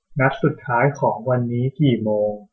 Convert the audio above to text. นัดสุดท้ายของวันนี้กี่โมง